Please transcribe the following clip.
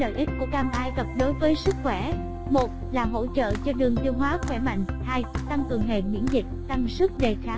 top lợi ích của cam ai cập đối với sức khỏe là hỗ trợ cho đường tiêu hóa khỏe mạnh tăng cường hệ miễn dịch tăng sức đề kháng của cơ thể